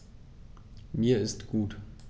Mir ist gut.